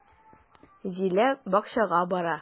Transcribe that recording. Зилә бакчага бара.